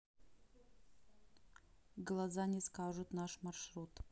глаза не скажут наш маршрут